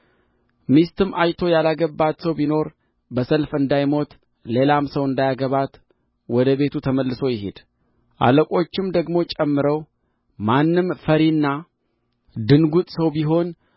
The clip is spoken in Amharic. ሚስትም አጭቶ ያላገባትም ሰው ቢኖር በሰልፍ እንዳይሞት ሌላም ሰው እንዳያገባት ወደ ቤቱ ተመልሶ ይሂድ አለቆቹም ደግሞ ጨምረው ማንም ፈሪና ድንጉጥ ሰው ቢሆን